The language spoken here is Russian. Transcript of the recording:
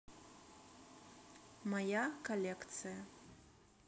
моя коллекция